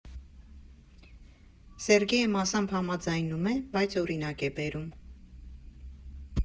Սերգեյը մասամբ համաձայնում է, բայց օրինակ է բերում։